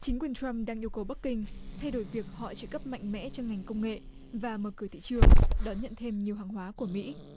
chính quyền trăm đang yêu cầu bắc kinh thay đổi việc họ chỉ cấp mạnh mẽ cho ngành công nghệ và mở cửa thị trường đón nhận thêm nhiều hàng hóa của mỹ